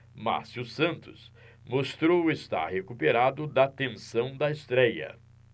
márcio santos mostrou estar recuperado da tensão da estréia